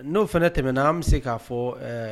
No fɛnɛ tɛmɛna an bi se ka fɔ ɛɛ